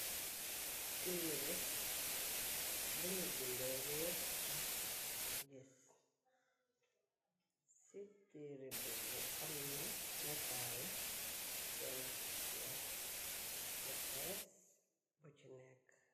Téere bu nu bindi réer ak gés. Ci tére bo bu am na nataalu bénn jiggeen bu hees bu chi nekk.